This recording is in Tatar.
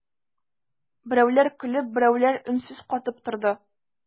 Берәүләр көлеп, берәүләр өнсез катып торды.